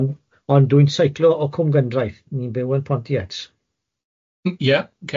Yym ond dwi'n seiclo o Cwmgyndraeth, ni'n byw yn Pontiats... M-hm ie ocê.